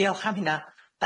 Diolch am hynna.